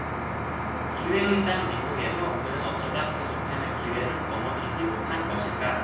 기회의 땅 미국에서 그는 어쩌다 그 좋다는 기회를 거머쥐지 못한 것일까